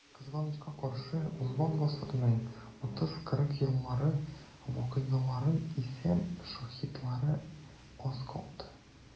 Кызганычка каршы, узган гасырның 30-40 еллары вакыйгаларының исән шаһитлары аз калды.